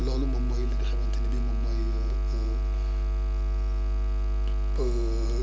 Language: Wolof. loolu moom mooy li nga xamante ne bii mooy